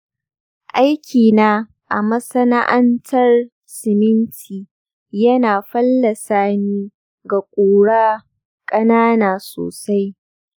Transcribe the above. aikina a masana’antar siminti yana fallasa ni ga ƙurar ƙanana sosai.